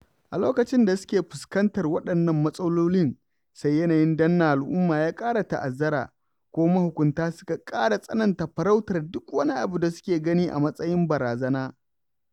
A lokacin da suke fuskantar waɗannan matsalolin, sai yanayin danne al'umma ya ƙara ta'azzara, kuma mahukunta suka ƙara tsananta farautar duk wani abu da suke gani a matsayin barazana.